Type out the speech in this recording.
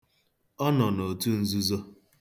Ọ nọ n'otu nzuzo.